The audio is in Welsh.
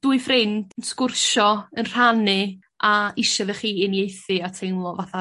dwy ffrind yn sgwrsio yn rhannu a isio iddoch chi uniaethu a teimlo fatha